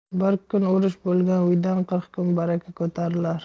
bir kun urush bo'lgan uydan qirq kun baraka ko'tarilar